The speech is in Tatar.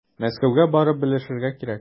Мәскәүгә барып белешергә кирәк.